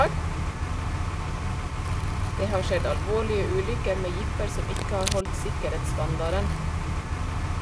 Det har skjedd alvorlige ulykker med jeeper som ikke har holdt sikkerhetsstandarden.